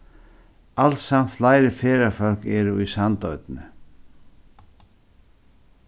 alsamt fleiri ferðafólk eru í sandoynni